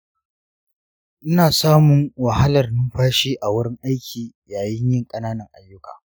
ina samun wahalar numfashi a wurin aiki yayin yin ƙananan ayyuka.